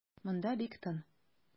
Монда бик тын.